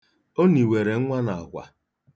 O niwere nwa n'akwa.